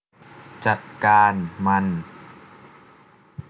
จััดการมัน